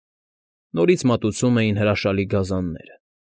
Նորից մատուցում էին հրաշալի գազանները։